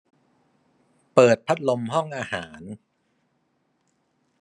เปิดพัดลมห้องอาหาร